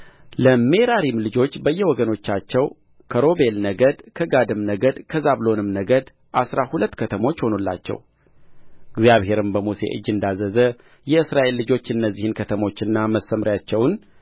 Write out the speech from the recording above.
ለሜራሪም ልጆች በየወገኖቻቸው ከሮቤል ነገድ ከጋድም ነገድ ከዛብሎንም ነገድ አሥራ ሁለት ከተሞች ሆኑላቸው እግዚአብሔርም በሙሴ እጅ እንዳዘዘ የእስራኤል ልጆች እነዚህን ከተሞችና መሰምርያቸውን